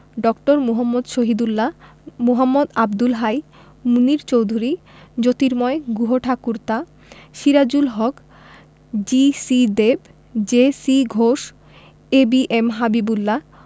ড. মুহাম্মদ শহীদুল্লাহ মোঃ Abdul Hai Munir Chowdhury Jyotirmoy Guhathakurta Sirajul Haq G C Dev J C Ghosh A B M Habibullah